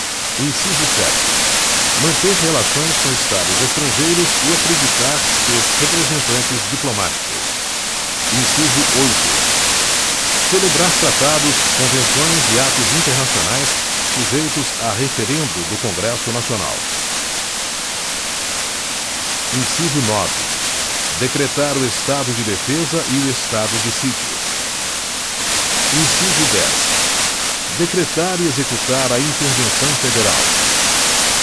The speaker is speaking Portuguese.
inciso sete manter relações com estados estrangeiros e acreditar seus representantes diplomáticos inciso oito celebrar tratados convenções e atos internacionais sujeitos a referendo do congresso nacional inciso nove decretar o estado de defesa e o estado de sítio inciso dez decretar e executar a intervenção federal